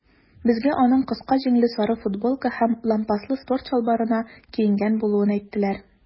Безгә аның кыска җиңле сары футболка һәм лампаслы спорт чалбарына киенгән булуын әйттеләр.